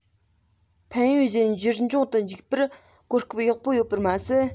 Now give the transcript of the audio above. ཕན ཡོད གཞན འགྱུར འབྱུང དུ འཇུག པར གོ སྐབས ཡག པོ ཡོད པ མ ཟད